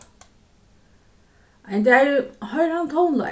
ein dagin hoyrir hann tónleik